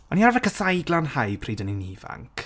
O'n i arfer casau glanhau pryd o'n i'n ifanc.